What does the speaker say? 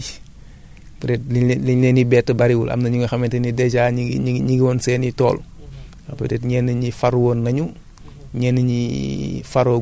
waaw mais bu delloo ci côté boobu moom xam naa baykat yi peut être li ñu leen li ñu leen di bett bëriwul am na ñi nga xamante ni dèjà ñu ngi ñu ngi ñu ngi woon seen i tool